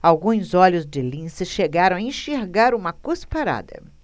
alguns olhos de lince chegaram a enxergar uma cusparada